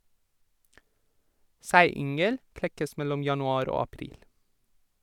Seiyngel klekkes mellom januar og april.